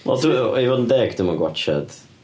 Wel, ti'n gwybod be i fod yn deg, dwi ddim yn watsiad...